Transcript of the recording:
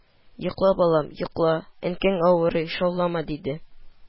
– йокла, балам, йокла, әнкәң авырый, шаулама, – диде